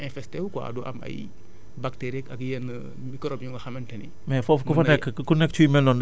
te maanaam du am du infesté wu quoi du am ay bactéries ak yenn microbes yu nga xamante ni